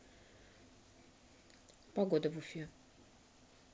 погода в уфе